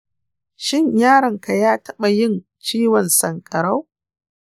shin yaronka ya taɓa yin ciwon sankarau